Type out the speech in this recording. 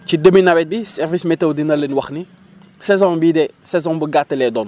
ci début nawet bi service météo dina leen wax ni saison bii de saison bu gàtt lay doon